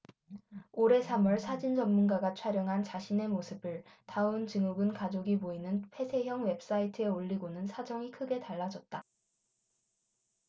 올해 삼 월 사진 전문가가 촬영한 자신의 모습을 다운증후군 가족이 모이는 폐쇄형 웹사이트에 올리고는 사정이 크게 달라졌다